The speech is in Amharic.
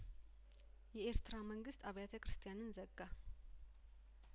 የኤርትራ መንግስት አብያተ ክርስትያንን ዘጋ